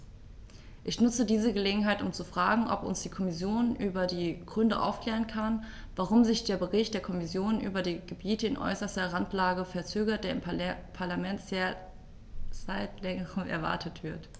Ich nutze diese Gelegenheit, um zu fragen, ob uns die Kommission über die Gründe aufklären kann, warum sich der Bericht der Kommission über die Gebiete in äußerster Randlage verzögert, der im Parlament seit längerem erwartet wird.